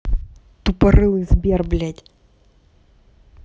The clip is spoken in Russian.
тупорылый сбер блядь